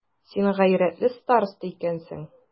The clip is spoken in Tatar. Син гайрәтле староста икәнсең.